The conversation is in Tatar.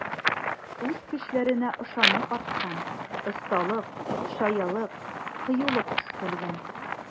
Үз көчләренә ышану арткан, осталык, чаялык, кыюлык өстәлгән.